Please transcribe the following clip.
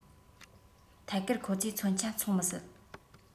ཐད ཀར ཁོ ཚོས མཚོན ཆ འཚོང མི སྲིད